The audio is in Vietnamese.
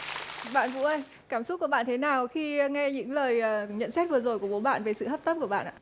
bạn vũ ơi cảm xúc của bạn thế nào khi a nghe những lời à nhận xét vừa rồi của bố bạn về sự hấp tấp của bạn ạ